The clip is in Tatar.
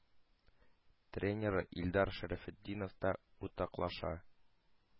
Тренеры илдар шәрәфетдинов та уртаклаша.